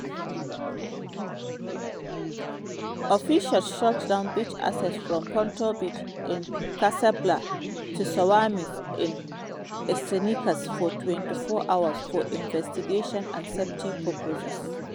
Officials shut down beach access from Ponto Beach in Casablad to Swami's in Ecinitas for 48 hours for investigation and safety purposes.